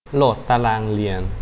โหลดตารางเรียน